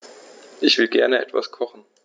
Ich will gerne etwas kochen.